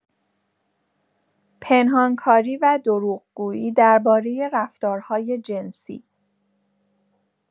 پنهان‌کاری و دروغ‌گویی درباره رفتارهای جنسی